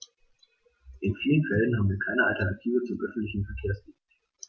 In vielen Fällen haben wir keine Alternative zum öffentlichen Verkehrsdienst.